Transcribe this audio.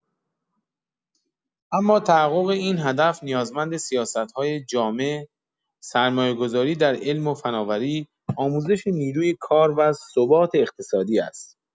اما تحقق این هدف نیازمند سیاست‌های جامع، سرمایه‌گذاری در علم و فناوری، آموزش نیروی کار و ثبات اقتصادی است.